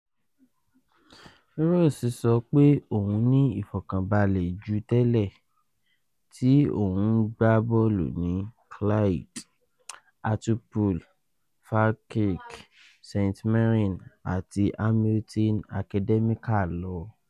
Ross sọ pé òun ní ìfọ̀kànbalẹ̀ ju tẹlẹ̀ tí òun ń gbá bọ́ọ̀lù ní Clyde, Hartlepool, Falkirk, St Mirren àti Hamilton Academical lọ.